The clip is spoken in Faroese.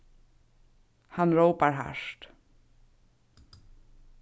hann rópar hart